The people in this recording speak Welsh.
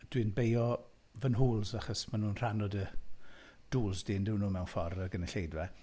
Dwi'n beio fy nhŵls, achos mae nhw'n rhan o dy dŵls di. Yn dydyn nhw'm mewn ffordd, y gynulleidfa.